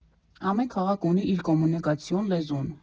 Ամեն քաղաք ունի իր կոմունիկացիոն լեզուն։